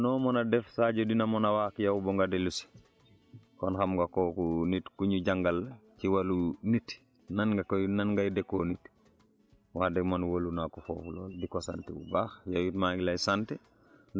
boo meree boo noo mun a def Sadio dina mun a wax ak yow ba nga dellu si kon xam nga kooku nit ku ñu jàngal ci wàllu nit nan nga koy nan ngay dénkuwante wax dëgg man wóolu naa ko foofu lool di ko sant bu baax